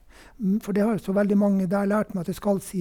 For det har jo så veldig mange der lært meg at jeg skal si.